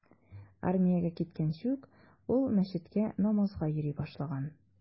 Армиягә киткәнче ук ул мәчеткә намазга йөри башлаган.